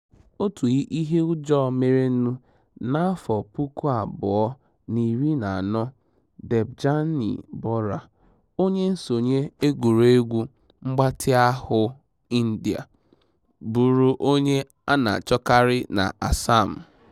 Otu ihe ụjọ merenụ na 2014, Debjani Bora, onye nsonye egwuregwu mgbatịahụ India, bụrụ onye a na-achọkarị na Assam.